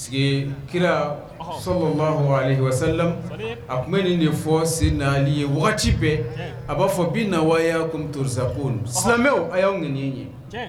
Sigi kira so sa a tun bɛ nin nin fɔsi naani ye waati bɛɛ a b'a fɔ bi naya tosa ko san a y'aw ŋ ye ɲɛ